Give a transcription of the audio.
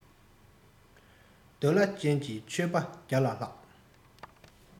འདོད ལ ཅན གྱི ཆོས པ བརྒྱ ལ ལྷག